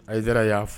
Ayidara y'a fɔ